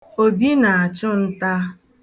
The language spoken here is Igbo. Obi na-achụ nta.